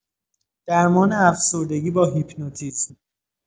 درمان افسردگی با هیپنوتیزم